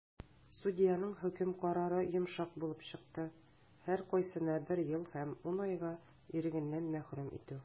Судьяның хөкем карары йомшак булып чыкты - һәркайсына бер ел һәм 10 айга ирегеннән мәхрүм итү.